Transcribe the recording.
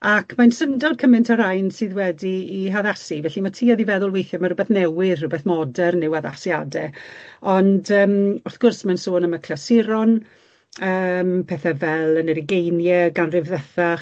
Ac mae'n syndod cyment o'r rain sydd wedi 'u haddasu, felly ma' tuedd i feddwl weithie ma' rwbeth newydd, rwbeth modern yw addasiade ond yym wrth gwrs ma'n sôn am y clasuron, yym pethe fel yn yr ugeinie ganrif ddwetha